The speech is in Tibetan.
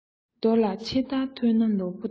རྡོ ལ ཕྱི བདར ཐོན ན ནོར བུ དང